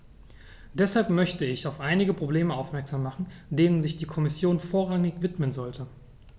Deshalb möchte ich auf einige Probleme aufmerksam machen, denen sich die Kommission vorrangig widmen sollte.